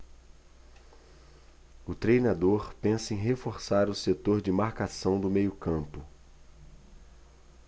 o treinador pensa em reforçar o setor de marcação do meio campo